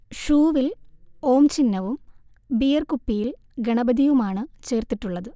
ഷൂവിൽ ഓം ചിഹ്നവും ബിയർകുപ്പിയിൽ ഗണപതിയുമാണ് ചേർത്തിട്ടുള്ളത്